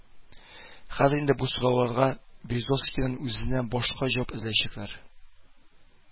Хәзер инде бу сорауларга Березовскийның үзеннән башка җавап эзләячәкләр